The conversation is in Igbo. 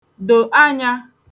dò anya